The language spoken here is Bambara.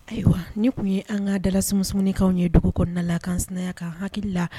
Ayiwa ni tun ye an ka dala sumunikaw ye dugu kɔnɔna la ka kansya kan ha la